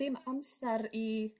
dim amsar i